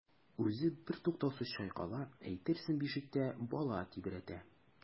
Үзе бертуктаусыз чайкала, әйтерсең бишектә бала тибрәтә.